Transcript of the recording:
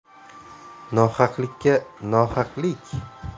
nohaqlikka nohaqlik